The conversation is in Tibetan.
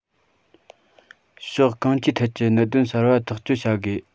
ཕྱོགས གང ཅིའི ཐད ཀྱི གནད དོན གསར པ ཐག གཅོད བྱ དགོས